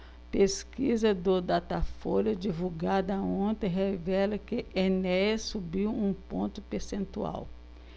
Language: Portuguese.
pesquisa do datafolha divulgada ontem revela que enéas subiu um ponto percentual